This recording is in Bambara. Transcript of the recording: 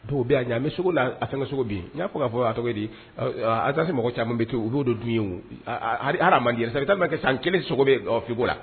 Dɔw bɛ bɛ la a fɛn ka sogo min n'a k'a fɔ a cogo di asase se mɔgɔ caman bɛ to olu b' don dun ye ma san kɛ san kelen sogo bɛ yen fikoo la